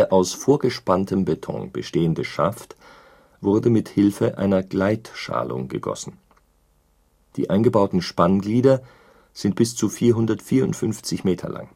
aus vorgespanntem Beton bestehende Schaft wurde mit Hilfe einer Gleitschalung gegossen. Die eingebauten Spannglieder sind bis zu 454 Meter